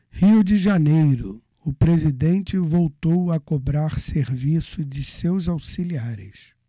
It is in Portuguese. rio de janeiro o presidente voltou a cobrar serviço de seus auxiliares